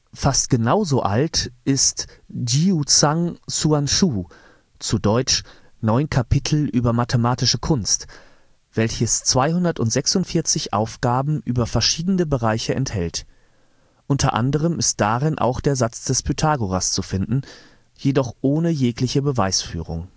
Fast genauso alt ist „ Jiuzhang Suanshu “(„ Neun Kapitel über mathematische Kunst “), welches 246 Aufgaben über verschiedene Bereiche enthält; unter anderem ist darin auch der Satz des Pythagoras zu finden, jedoch ohne jegliche Beweisführung